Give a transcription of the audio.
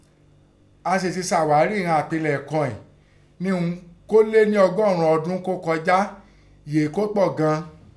A sèè tẹ ṣàghárí ìnọn àpẹnlẹ̀kọ ìín nẹ́ ihun kó lé nẹ ọgọ́rùn ọdún ọ́ kọjá, yèé ọ́ pọ̀ gan an.